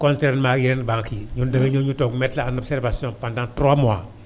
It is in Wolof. contrairement ak yeneen banques yi ñoom da ngay ñëw ñu toog mettre la en observation pendant 3 mois